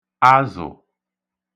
azụ̀